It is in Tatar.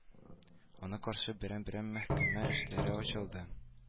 Аңа каршы берәм-берәм мәхкәмә эшләре ачылды